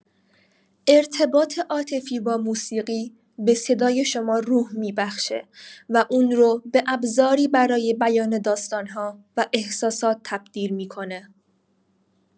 ارتباط عاطفی با موسیقی به صدای شما روح می‌بخشه و اون رو به ابزاری برای بیان داستان‌ها و احساسات تبدیل می‌کنه.